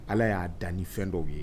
Ala y'a dan ni fɛn dɔw ye